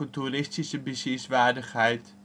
toeristische bezienswaardigheid